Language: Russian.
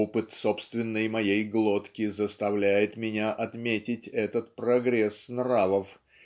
Опыт собственной моей глотки заставляет меня отметить этот прогресс нравов